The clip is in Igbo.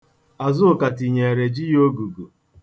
Azụka tinyeere ji ya ogugu.